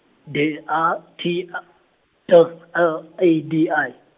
D A T T L A D I.